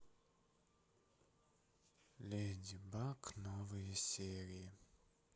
леди баг новые серии